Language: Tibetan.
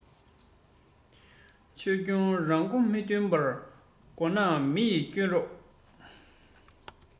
ཆོས སྐྱོང རང མགོ མི ཐོན པར མགོ ནག མི ཡི སྐྱོབ རོག